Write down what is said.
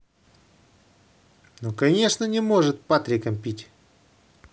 ну конечно не может патриком пить